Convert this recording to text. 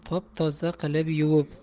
top toza qilib yuvib